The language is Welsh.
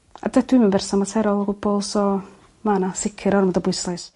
A dydw i 'im yn berson marterol o gwbwl so ma' 'na sicir ormod o bwyslais.